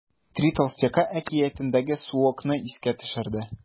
“три толстяка” әкиятендәге суокны искә төшерде.